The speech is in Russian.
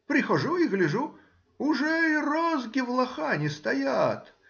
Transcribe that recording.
Прихожу и гляжу — уже и розги в лохани стоят